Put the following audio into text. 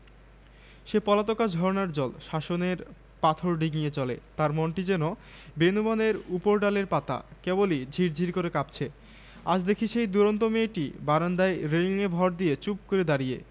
কাগজের নৌকো নিয়ে তার ভাই তার হাত ধরে টানলে সে হাত ছিনিয়ে নিলে তবু তার ভাই খেলার জন্যে টানাটানি করতে লাগলে তাকে এক থাপ্পড় বসিয়ে দিলে